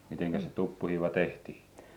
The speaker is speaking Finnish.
mitenkäs se tuppuhiiva tehtiin